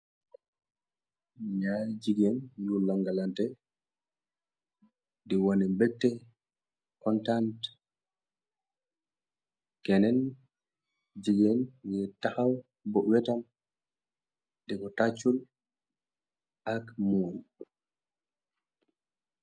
Naar jigéen nu langalante, di wone mbekte , contant, keneen jigeen ngir taxaw bu wetam di ko tàccul ak muo yi.